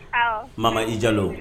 Mama i jalo